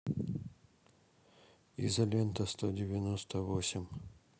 изолента сто девяносто восемь